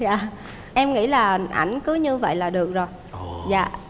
dạ em nghĩ là anh cứ như vậy là được rồi dạ